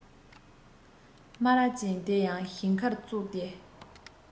སྨ ར ཅན དེ ཡང ཞིང ཁར ཙོག སྟེ